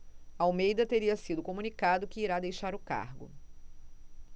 almeida teria sido comunicado que irá deixar o cargo